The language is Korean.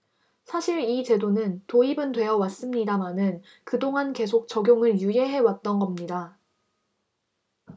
사실 이 제도는 도입은 되어 왔습니다마는 그동안 계속 적용을 유예해 왔던 겁니다